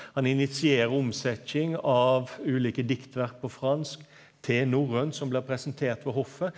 han initierer omsetjing av ulike diktverk på fransk til norrønt som blei presentert ved hoffet.